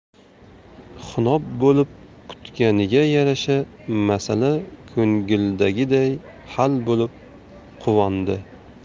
xunob bo'lib kutganiga yarasha masala ko'nglidagiday hal bo'lib quvondi